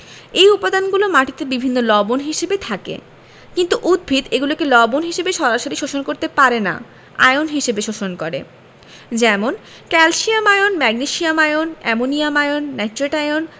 এ উপাদানগুলো মাটিতে বিভিন্ন লবণ হিসেবে থাকে কিন্তু উদ্ভিদ এগুলোকে লবণ হিসেবে সরাসরি শোষণ করতে পারে না আয়ন হিসেবে শোষণ করে যেমন calcium ion magnesium ion ammonium ion nitrate ion